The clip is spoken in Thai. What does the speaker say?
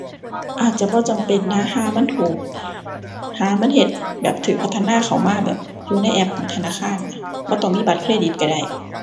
อาจจะบ่จำเป็นนะ ห่ามันถูก ห่ามันเฮ็ดแบบถูกพัฒนาเข้ามาแบบอยู่ในแอปของธนาคารน่ะ บ่ต้องมีบัตรเครดิตถูกได้